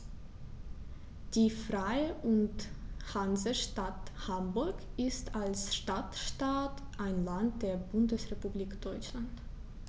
Die Freie und Hansestadt Hamburg ist als Stadtstaat ein Land der Bundesrepublik Deutschland.